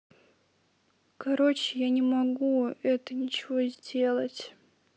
короче я не могу это ничего сделать